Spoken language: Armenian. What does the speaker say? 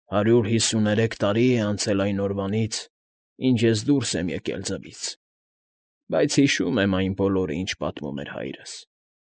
Հարյուր հիսուներեք տարի է ացնել այն օրվանից, ինչ ես դուրս եմ եկել ձվից, բայց հիշում եմ այն բոլորը, ինչ պատմում էր հայրս։